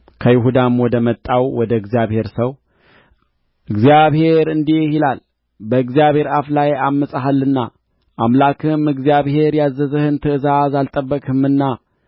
ከይሁዳም ወደ መጣው ወደ እግዚአብሔር ሰው እግዚአብሔር እንዲህ ይላል በእግዚአብሔር አፍ ላይ ዐምፀሃልና አምላክህም እግዚአብሔር ያዘዘህን ትእዛዝ አልጠበቅህምና